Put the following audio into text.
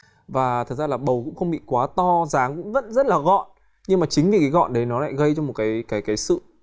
và thật ra là bầu cũng không bị quá to dáng cũng vẫn rất là gọn nhưng mà chính vì gọn đấy nó lại gây cho một cái cái cái sự